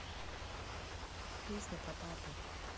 песня про папу